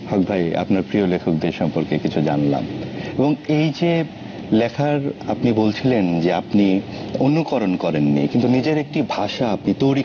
হক ভাই আপনার প্রিয় লেখকদের সম্পর্কে কিছু জানলাম এবং এই যে লেখার আপনি বলছিলেন যে আপনি অনুকরণ করেননি কিন্তু নিজের একটি ভাষা আপনি তৈরি